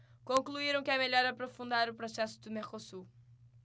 concluíram que é melhor aprofundar o processo do mercosul